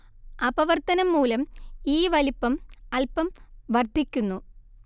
അപവർത്തനം മൂലം ഈ വലിപ്പം അൽപം വർദ്ധിക്കുന്നു